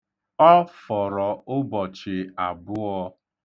Ọ fọrọ ụbọchị abụọ.